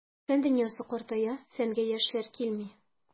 Фән дөньясы картая, фәнгә яшьләр килми.